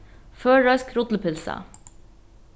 føroysk rullupylsa